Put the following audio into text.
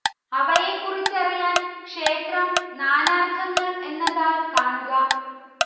അവയെക്കുറിച്ചറിയാൻ ക്ഷേത്രം നാനാർത്ഥങ്ങൾ എന്ന താൾ കാണുക